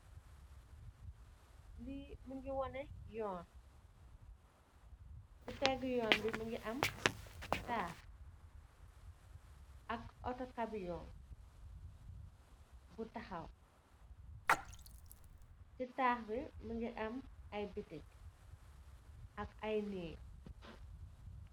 Li mogi woneh yoon si peegi yun bi mogi am taax ak auto kamiyon bu taxaw si taax bi mogi am ay bitik ak ay neeg.